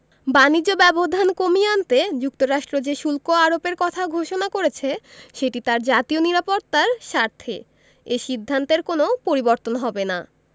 বাণিজ্য ব্যবধান কমিয়ে আনতে যুক্তরাষ্ট্র যে শুল্ক আরোপের কথা ঘোষণা করেছে সেটি তার জাতীয় নিরাপত্তার স্বার্থে এ সিদ্ধান্তের কোনো পরিবর্তন হবে না